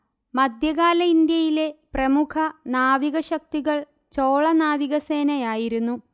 മധ്യകാല ഇന്ത്യയിലെ പ്രമുഖ നാവികശക്തികൾ ചോള നാവികസേനയായിരുന്നു